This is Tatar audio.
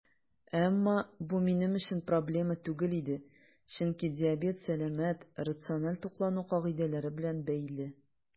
Әмма бу минем өчен проблема түгел иде, чөнки диабет сәламәт, рациональ туклану кагыйдәләре белән бәйле.